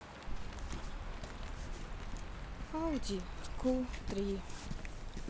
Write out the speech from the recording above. ауди ку три